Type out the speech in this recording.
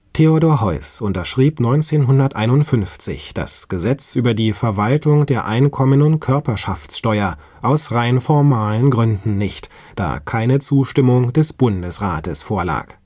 Theodor Heuss unterschrieb 1951 das „ Gesetz über die Verwaltung der Einkommen - und Körperschaftsteuer “aus rein formalen Gründen nicht, da keine Zustimmung des Bundesrates vorlag